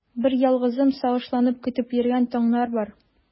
Берьялгызым сагышланып көтеп йөргән таңнар бар.